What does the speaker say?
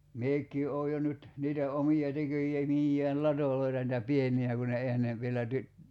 minäkin olen jo nyt niitä omia - tekemiään latoja niitä pieniä kun ne eihän ne vielä -